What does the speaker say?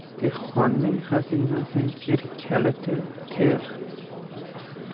dehqonning xazinasi yer kaliti ter